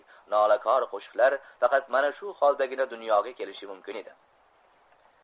nolakor qo'shiqlar faqat mana shu holdagina dunyoga kelishi mumkin edi